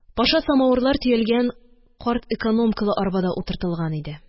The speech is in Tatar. Паша самавырлар төялгән карт экономкалы арбада утыртылган иде